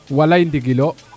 wallay ndigilo